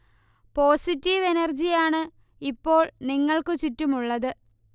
positive energy ആണ് ഇപ്പോൾ നിങ്ങൾക്ക് ചുറ്റുമുള്ളത്